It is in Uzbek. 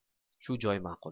shu joy ma'qul